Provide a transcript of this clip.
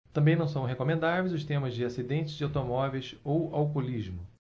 também não são recomendáveis os temas de acidentes de automóveis ou alcoolismo